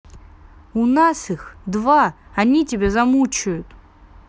у нас их два они тебя замучают